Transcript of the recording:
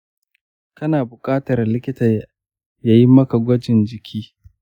kana buƙatar likita ya yi maka gwajin jiki.